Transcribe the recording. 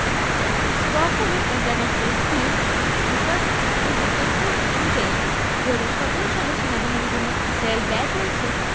Stockholm international peace research ইনস্টিটিউটের তথ্য অনুযায়ী ২০১৭ সালে সেনাবাহিনীর জন্য ইসরায়েল ব্যয় করেছে